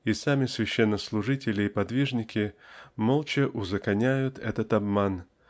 -- и сами священнослужители и подвижники молча узаконят этот обман